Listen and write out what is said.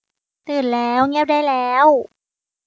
ตื่นแล้วเงียบได้แล้ว